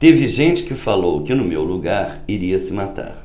teve gente que falou que no meu lugar iria se matar